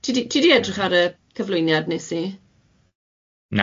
Ti di ti di edrych ar y cyflwyniad wnes i?